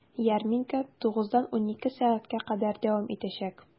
Ярминкә 9 дан 12 сәгатькә кадәр дәвам итәчәк.